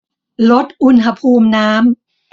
ลดอุณหภูมิน้ำ